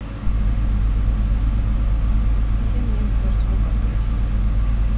где мне сберзвук открыть